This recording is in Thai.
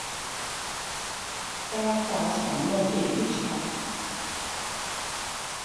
ตาขวาฉันมองเห็นไม่ชัด